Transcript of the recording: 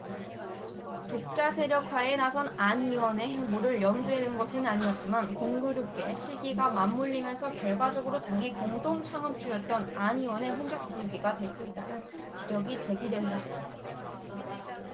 독자세력화에 나선 안 의원의 행보를 염두에 둔 것은 아니었지만 공교롭게 시기가 맞물리면서 결과적으로 당의 공동 창업주였던 안 의원 흔적 지우기가 될 수 있다는 지적이 제기된다